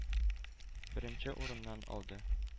Беренче урынны алды